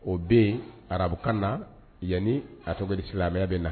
O be ye arabukan na yani a tɔgɔ ye di silamɛya bɛna